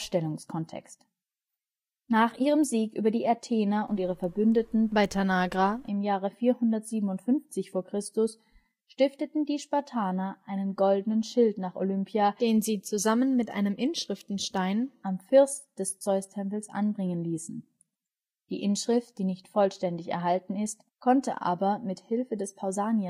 Nach ihrem Sieg über die Athener und ihre Verbündeten bei Tanagra im Jahre 457 v. Chr. stifteten die Spartaner einen goldenen Schild nach Olympia, den sie zusammen mit einem Inschriftenstein am First des Zeustempels anbringen ließen. Die Inschrift, die nicht vollständig erhalten ist, konnte aber mit Hilfe des Pausaniastextes vervollständigt werden